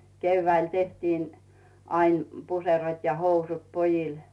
keväällä tehtiin aina - puserot ja housut pojille